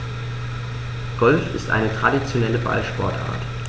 Golf ist eine traditionelle Ballsportart.